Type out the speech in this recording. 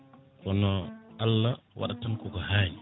kono Allah waɗata tan koko hanni